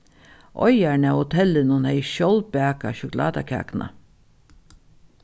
eigarin av hotellinum hevði sjálv bakað sjokulátakakuna